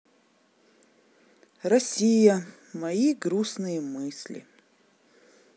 россия мои грустные мысли